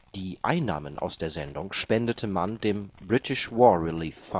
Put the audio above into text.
Die Einnahmen aus der Sendung spendete Mann dem British War Relief